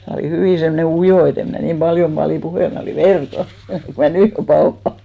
minä olin hyvin semmoinen ujo että en minä niin paljon paljon puhellut minä olin verkan kun minä nyt jo pauhaan